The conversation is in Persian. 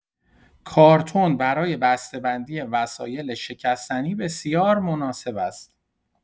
کارتن برای بسته‌بندی وسایل شکستنی بسیار مناسب است.